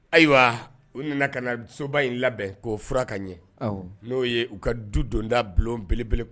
Ayiwa u nana ka na soba in labɛn koo fura ka ɲɛ n'o ye u ka du donda bulon belebele kɔnɔ